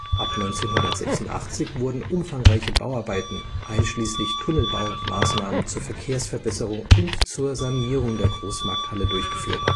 Ab 1986 wurden umfangreiche Bauarbeiten einschließlich Tunnelbaumaßnahmen zur Verkehrsverbesserung und zur Sanierung der Großmarkthalle durchgeführt